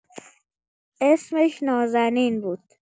اسمش نازنین بود.